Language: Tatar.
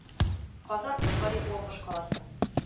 Казан – волейбол башкаласы